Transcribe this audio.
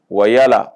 Wa yala